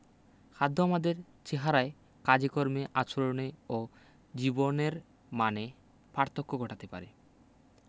খাদ্য আমাদের চেহারায় কাজকর্মে আচরণে ও জীবনের মানে পার্থক্য ঘটাতে পারে